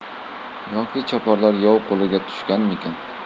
yoki choparlar yov qo'liga tushganmikin